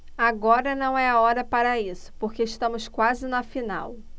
agora não é hora para isso porque estamos quase na final